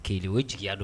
K'i o jigiya don